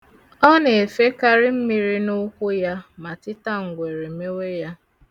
Ọ na-efekarị mmiri n'ukwu ya ma titangwere mewe ya.